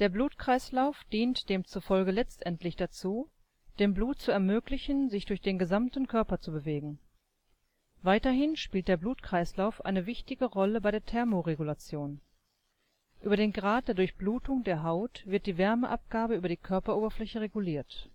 Blutkreislauf dient demzufolge letztendlich dazu, dem Blut zu ermöglichen, sich durch den gesamten Körper zu bewegen. Weiterhin spielt der Blutkreislauf eine wichtige Rolle bei der Thermoregulation. Über den Grad der Durchblutung der Haut wird die Wärmeabgabe über die Körperoberfläche reguliert